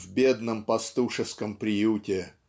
в бедном пастушеском приюте